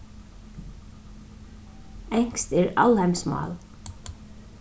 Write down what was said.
enskt er alheimsmál